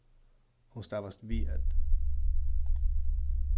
hon stavast við ð